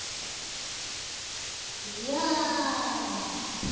а я я я я я я я я